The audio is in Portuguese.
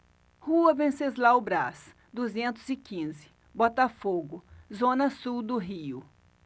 rua venceslau braz duzentos e quinze botafogo zona sul do rio